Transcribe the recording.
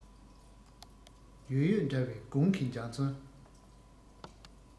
ཡོད ཡོད འདྲ བའི དགུང གི འཇའ ཚོན